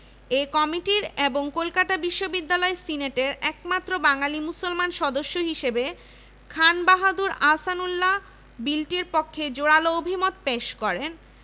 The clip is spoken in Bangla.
এই কমিটির এবং কলকাতা বিশ্ববিদ্যালয় সিনেটের একমাত্র বাঙালি মুসলমান সদস্য হিসেবে খান বাহাদুর আহসানউল্লাহ বিলটির পক্ষে জোরালো অভিমত পেশ করেন